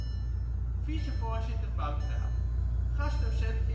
vice-voorzitter Bankraad gastdocent